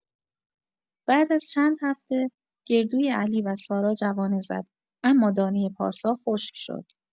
بعد از چند هفته، گردوی علی و سارا جوانه زد، اما دانۀ پارسا خشک شد.